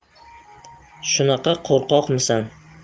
shunaqa qo'rqoqmisan